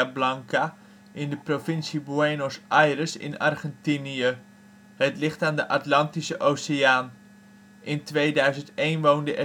Blanca in de provincie Buenos Aires, Argentinië aan de Atlantische Oceaan. Er wonen 274.509